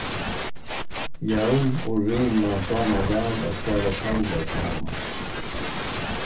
jón og rúna dáma væl at spæla tónleik saman